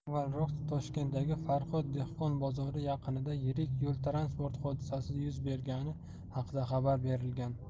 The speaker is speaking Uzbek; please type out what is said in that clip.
avvalroq toshkentdagi farhod dehqon bozori yaqinida yirik yol transport hodisasi yuz bergani haqida xabar berilgan